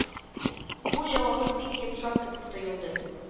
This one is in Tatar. Бу җавабы бик йомшак кебек тоелды